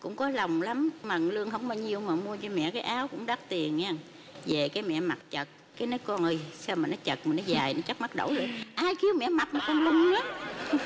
cũng có lòng lắm mà lương không bao nhiêu mà mua cho mẹ cái áo cũng đắt tiền nhen về cái mẹ mặc chật cái nói con ơi sao mà nó chật mà nó dài nó chắc mắt đẩu ai kêu mẹ mập mà còn lùn lắm